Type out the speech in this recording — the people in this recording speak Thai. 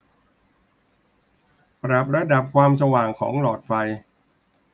ปรับระดับความสว่างของหลอดไฟ